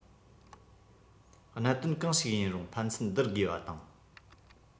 གནད དོན གང ཞིག ཡིན རུང ཕན ཚུན སྡུར དགོས པ དང